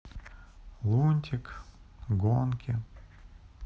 лунтик гонки